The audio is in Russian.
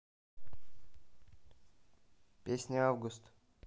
песня август